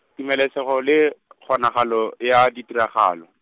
Tumelesego le , kgonagalo ya ditiragalo.